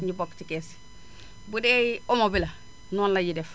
éni bokk ci kees yi bu dee omo bi la noonu laénuy def